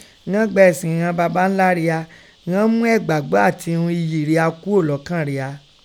Ighọ́n gba ẹ̀sìn ìghọn babańláa ria, ghọ́n mú ẹ̀gbàgbọ́ àti ihun iyì ria kúò lọkàn ria.